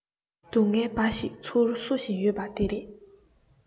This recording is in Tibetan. སྡུག བསྔལ འབའ ཞིག ཚུར བསུ བཞིན ཡོད པ དེ རེད